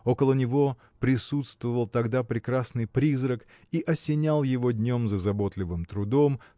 около него присутствовал тогда прекрасный призрак и осенял его днем за заботливым трудом